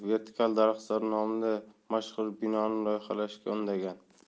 vertikal daraxtzor nomli mashhur binoni loyihalashga undagan